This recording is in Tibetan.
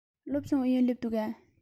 སློབ སྦྱོང ཨུ ཡོན སླེབས འདུག གས